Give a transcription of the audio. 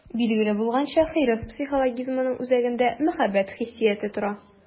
Билгеле булганча, хирыс психологизмының үзәгендә мәхәббәт хиссияте тора.